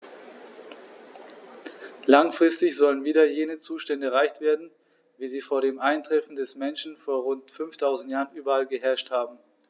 Langfristig sollen wieder jene Zustände erreicht werden, wie sie vor dem Eintreffen des Menschen vor rund 5000 Jahren überall geherrscht haben.